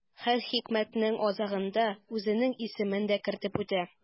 Һәр хикмәтнең азагында үзенең исемен дә кертеп үтә.